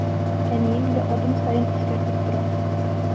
Әнием дә адым саен искәртеп тора.